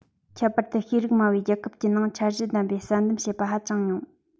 ཁྱད པར དུ ཤེས རིག དམའ བའི རྒྱལ ཁབ ཀྱི ནང འཆར གཞི ལྡན པའི བསལ འདེམས བྱེད པ ཧ ཅང ཉུང